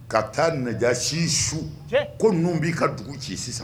Ka taa ko ninnu bɛna i ka dugu ci sisan.